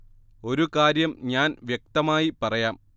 ഒരു കാര്യം ഞാൻ വ്യക്തമായി പറയാം